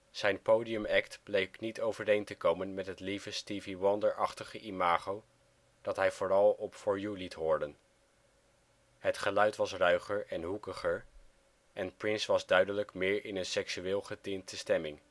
Zijn podiumact bleek niet overeen te komen met het lieve Stevie Wonder-achtige imago dat hij vooral op For You liet horen. Het geluid was ruiger en hoekiger en Prince was duidelijk meer in een seksueel getinte stemming